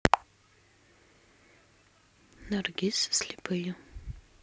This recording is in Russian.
наргиз слепые